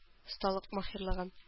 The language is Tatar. Осталык-маһирлыгын